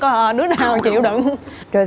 đứa nào chịu đựng